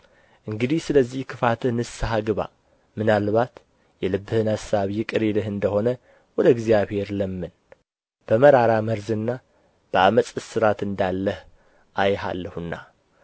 እንግዲህ ስለዚህ ክፋትህ ንሰሐ ግባ ምናልባትም የልብህን አሳብ ይቅር ይልህ እንደ ሆነ ወደ እግዚአብሔር ለምን በመራራ መርዝና በዓመፅ እስራት እንዳለህ አይሃለሁና